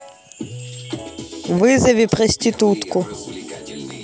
вызови проститутку